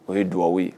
O ye duwɔwu ye.